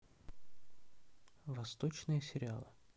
восточные сериалы